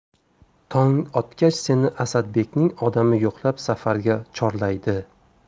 tong otgach seni asadbekning odami yo'qlab safarga chorlaydi